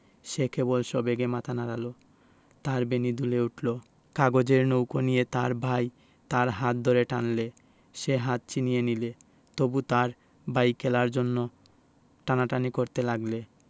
সে কেবল সবেগে মাথা নাড়ল তার বেণী দুলে উঠল কাগজের নৌকো নিয়ে তার ভাই তার হাত ধরে টানলে সে হাত ছিনিয়ে নিলে তবু তার ভাই খেলার জন্যে টানাটানি করতে লাগলে